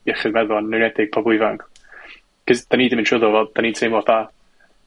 iechyd meddwl yn enwedig pobol ifanc. 'C'os 'dan ni 'di mynd trwyddo fo, 'dan ni'n teimlo da.